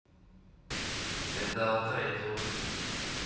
это алтай идиотка